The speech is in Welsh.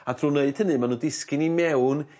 a trw wneud hynny ma' n'w disgyn i mewn